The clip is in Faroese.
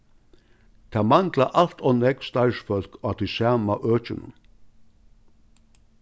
tað mangla alt ov nógv starvsfólk á tí sama økinum